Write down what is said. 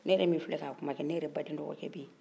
ne yɛrɛ min filɛ ka a kuma kɛ ne yɛrɛ badenkɔrɔkɛ bɛ yen